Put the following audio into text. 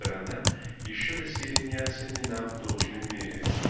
сторона еще доселе не оценена в должной мере.